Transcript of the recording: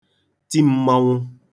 ti m̄mānwụ̄